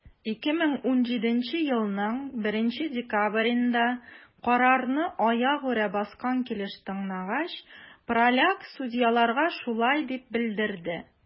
2017 елның 1 декабрендә, карарны аягүрә баскан килеш тыңлагач, праляк судьяларга шулай дип белдерде: